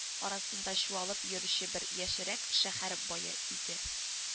Арасында чуалып йөрүче бер яшьрәк шәһәр бае иде